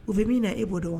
U bɛ min na e b'o dɔn